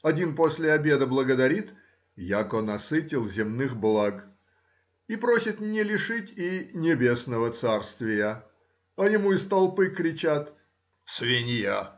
один после обеда благодарит, яко насытил земных благ, и просит не лишить и небесного царствия, а ему из толпы кричат Свинья!